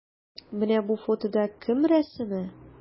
Менә бу фотода кем рәсеме?